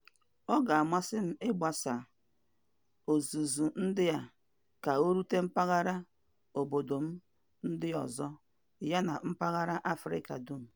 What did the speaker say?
Ọ ga-amasị m ịgbasa ọzụzụ ndị a ka orute mpaghara obodo m ndị ọzọ ya na mpaghara Afrịka dum.